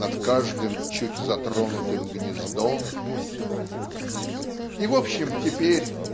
над каждым чуть затронутым гнездом". И в общем теперь